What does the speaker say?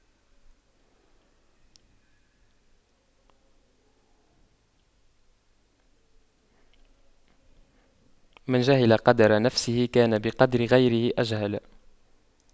من جهل قدر نفسه كان بقدر غيره أجهل